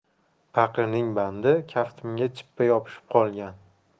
paqirning bandi kaftimga chippa yopishib qolgan